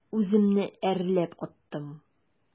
Үземне әрләп аттым.